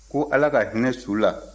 ko ala ka hinɛ su la